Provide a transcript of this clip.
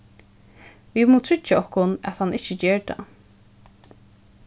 vit mugu tryggja okkum at hann ikki ger tað